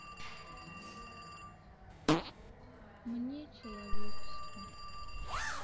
мне человечество